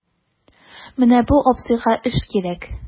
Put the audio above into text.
Менә бу абзыйга эш кирәк...